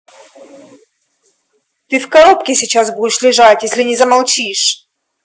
ты в коробке сейчас будешь лежать если не замолчишь